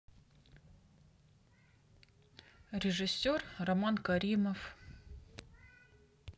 режиссер роман каримов